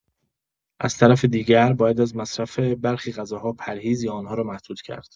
از طرف دیگر، باید از مصرف برخی غذاها پرهیز یا آن‌ها را محدود کرد.